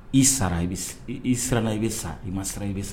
I sara i bɛ i sera la i bɛ sa i ma sara i bɛ sa